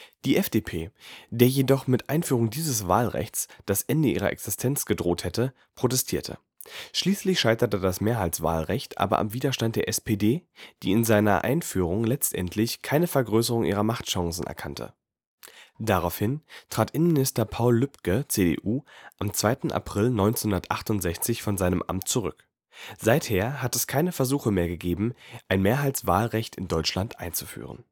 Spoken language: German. Die FDP, der jedoch mit Einführung dieses Wahlrechts das Ende ihrer Existenz gedroht hätte, protestierte. Schließlich scheiterte das Mehrheitswahlrecht aber am Widerstand der SPD, die in seiner Einführung letztendlich keine Vergrößerung ihrer Machtchancen erkannte. Daraufhin trat Innenminister Paul Lücke (CDU) am 2. April 1968 von seinem Amt zurück. Seither hat es keine Versuche mehr gegeben, ein Mehrheitswahlrecht in Deutschland einzuführen